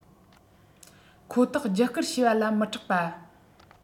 ཁོ ཐག བརྒྱུད བསྐུར བྱས ལ མི སྐྲག པ